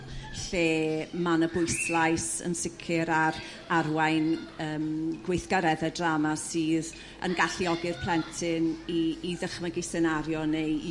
lle ma' 'na bwyslais yn sicr ar arwain yrm gweithgaredde drama sydd yn galluogi'r plentyn i i ddychmygu senario neu